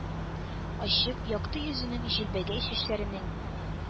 Ачык, якты йөзенең, җилбәгәй чәчләренең,